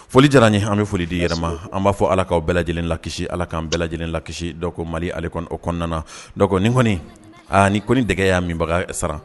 Foli diyara n an bɛ foli di yɛlɛma ma an b'a fɔ ala ka bɛɛ lajɛlenlaki kisi ala kaan bɛɛ lajɛlenla kisi dɔko mali ale o kɔnɔna na nin kɔni aaa ni kɔni dɛgɛ y'a minbaga sara